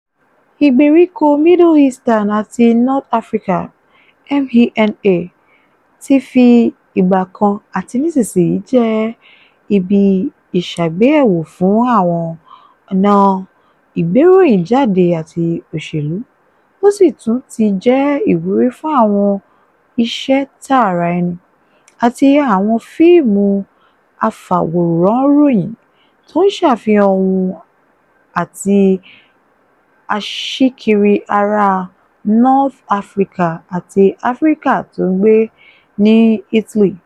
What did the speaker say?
Ìgbèríko Middle Eastern àti North Africa (MENA) ti fi ìgbà kan (àti nísìnyí) jẹ́ ibi ìṣàgbéyẹ̀wo fún àwọn ọ̀nà ìgberòyìn jáde àti òṣèlú, ó sì tún ti jẹ́ ìwúrí fún àwọn iṣẹ́ tara ẹni, àti àwọn fíìmù afàwòránròyìn tó ń safihan ohùn àwọn aṣikiri ará North Africa àti Áfíríkà tó ń gbé ní Italy.